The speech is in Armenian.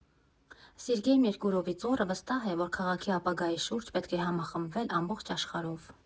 Սերգեյ Մերկուրովի ծոռը վստահ է, որ քաղաքի ապագայի շուրջ պետք է համախմբվել ամբողջ աշխարհով։